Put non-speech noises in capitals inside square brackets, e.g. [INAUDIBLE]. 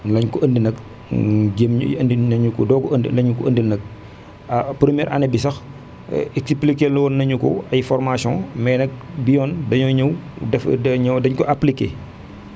lañ ko ëndi nag mu jéem ëndil na ñu la ñu ko doog a ëndi la ñu ko ëndil nag [NOISE] ah première année bi sax expliqué loon na ñu ko ay foramtions mais nag bi yoon dañoo ñëw def da ñoo dañ ko appliqué [NOISE]